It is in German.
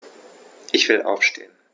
Ich will aufstehen.